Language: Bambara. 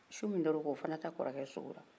su min dar'o kan o fana ta kɔrɔkɛ sikora